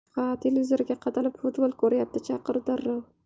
ha televizorga qadalib futbol ko'ryapti chaqir darrov